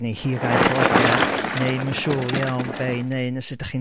neu hiraeth o adra neu myn siŵr iawn be i neu' neu sud 'da chi'n